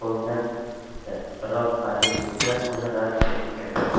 bo'lgandi biroq parijliklar uni rad etgan